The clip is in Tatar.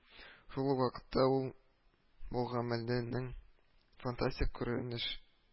Шул ук вакытта, ул бу гамәленең фантастик күренеш